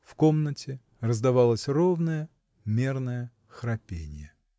В комнате раздавалось ровное, мерное храпенье.